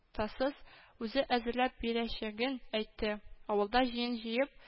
Тасыз үзе әзерләп бирәчәген әйтте, авылда җыен җыеп